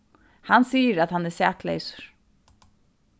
hann sigur at hann er sakleysur